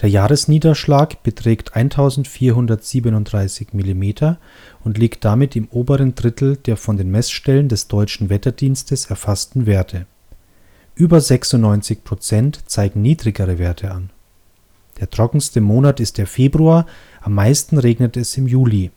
Jahresniederschlag beträgt 1437mm und liegt damit im oberen Drittel der von den Messstellen des Deutschen Wetterdienstes erfassten Werte. Über 96% zeigen niedrigere Werte an. Der trockenste Monat ist der Februar; am meisten regnet es im Juli